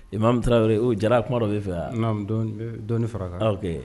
Mu taara yɔrɔ o jara kuma dɔ bɛ fɛ yan dɔn fara kɛ